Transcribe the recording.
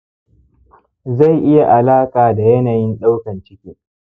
zai iya alaka da yanayin daukan ciki